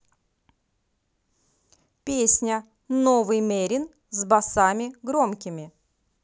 песня новый мерин с басами громкими